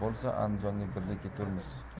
bo'lsa andijonga birga keturmiz